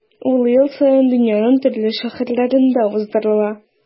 Ул ел саен дөньяның төрле шәһәрләрендә уздырыла.